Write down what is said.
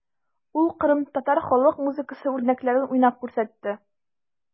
Ул кырымтатар халык музыкасы үрнәкләрен уйнап күрсәтте.